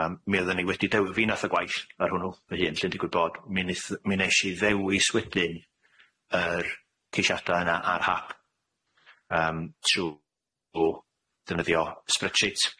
Yym mi oddan ni wedi dew- fi nath y gwaith ar hwnnw fy hun lly digwyd bod mi nith- mi nesh i ddewis wedyn yr ceishiada yna ar hap yym trw -w defnyddio spreadsheet